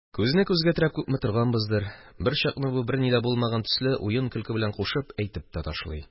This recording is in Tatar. Күзне күзгә терәп күпме торганбыз, берчакны бу, берни дә булмаган төсле, уен-көлке белән кушып әйтеп тә ташлый: